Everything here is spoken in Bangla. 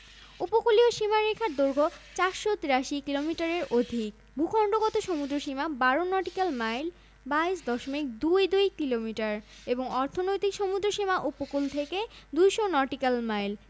থেকে ৯২ ডিগ্রি ৪১মিনিট দ্রাঘিমাংশ পর্যন্ত বিস্তৃত পূর্ব পশ্চিমে সর্বোচ্চ বিস্তৃতি ৪৪০ কিলোমিটার এবং উত্তর উত্তর পশ্চিম থেকে দক্ষিণ দক্ষিণপূর্ব প্রান্ত পর্যন্ত সর্বোচ্চ বিস্তৃতি